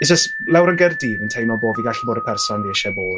is jys lawr yn Gaerdydd fi'n teimlo bo' fi gallu bod y person fi isie bod.